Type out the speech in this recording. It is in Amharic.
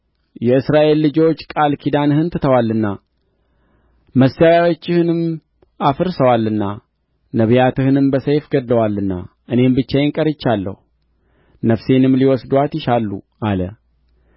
የእስራኤል ልጆች ቃል ኪዳንህን ትተዋልና መሠዊያዎችህንም አፍርሰዋልና ነቢያትህንም በሰይፍ ገድለዋልና እኔም ብቻዬን ቀርቻለሁ ነፍሴንም ሊወስዱአት ይሻሉ አለ